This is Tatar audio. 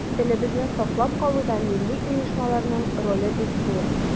Телебезне саклап калуда милли оешмаларның роле бик зур.